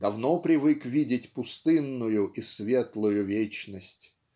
Давно привык видеть пустынную, и светлую вечность.